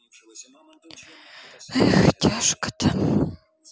эх тяжко то